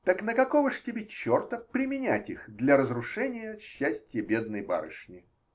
так на какого ж тебе черта применять их для разрушения счастья бедной барышни?